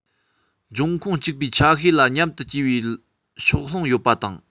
འབྱུང ཁུངས གཅིག པའི ཆ ཤས ལ མཉམ དུ སྐྱེ བའི ཕྱོགས ལྷུང ཡོད པ དང